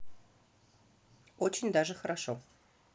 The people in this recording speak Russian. очень даже хорошо